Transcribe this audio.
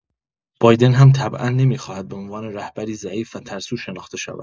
بایدن هم طبعا نمی‌خواهد به عنوان رهبری ضعیف و ترسو شناخته شود.